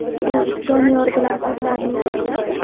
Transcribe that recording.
biz doniyor bilan otlarni yetaklab